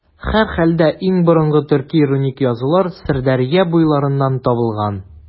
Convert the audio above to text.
Һәрхәлдә, иң борынгы төрки руник язулар Сырдәрья буйларыннан табылган.